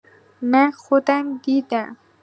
من خودم دیدم.